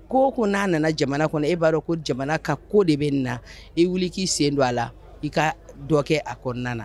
Ko ko n'a nana jamana kɔnɔ e b'a dɔn ko jamana ka ko de bɛ nin na i wuli k'i sen don a la i ka dɔgɔ kɛ a kɔnɔna na